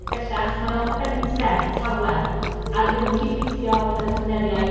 Bellach mae o'n bentref tawel a rydym yn cydweithio gyda partneriaid.